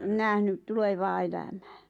nähnyt tulevaa elämää